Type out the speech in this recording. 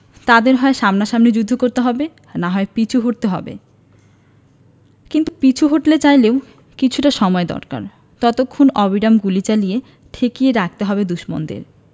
তাঁদের হয় সামনাসামনি যুদ্ধ করতে হবে না হয় পিছু হটতে হবে কিন্তু পিছু হটতে চাইলেও কিছুটা সময় দরকার ততক্ষণ অবিরাম গুলি চালিয়ে ঠেকিয়ে রাখতে হবে দুশমনদের